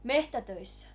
metsätöissä